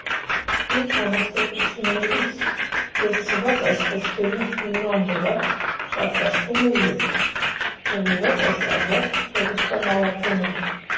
Իր բանաստեղծությունից վերցված այս խոսքերի հիման վրա պատրաստվում է երգ՝ նվիրված այս տարվա հեռուստամարաթոնին։